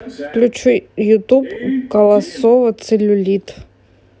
включи ютуб колосова целлюлит